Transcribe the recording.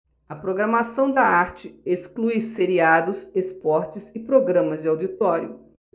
a programação da arte exclui seriados esportes e programas de auditório